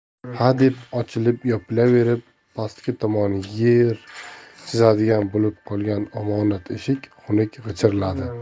hadeb ochilib yopilaverib pastki tomoni yer chizadigan bo'lib qolgan omonat eshik xunuk g'ijirladi